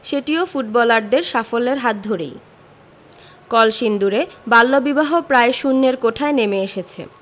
সেটিও ফুটবলারদের সাফল্যের হাত ধরেই কলসিন্দুরে বাল্যবিবাহ প্রায় শূন্যের কোঠায় নেমে এসেছে